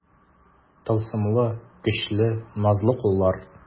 Тылсымлы, көчле, назлы куллар.